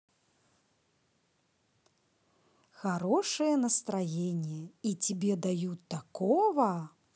хорошее настроение и тебе дают такого